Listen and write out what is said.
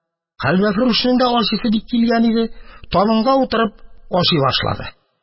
Хәлвәфрүшнең дә ашыйсы бик килгән иде, табынга барып утырып ашый башлады.